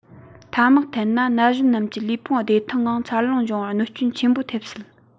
ཐ མག འཐེན ན ན གཞོན རྣམས ཀྱི ལུས ཕུང བདེ ཐང ངང མཚར ལོངས འབྱུང བར གནོད སྐྱོན ཆེན པོ ཐེབས སྲིད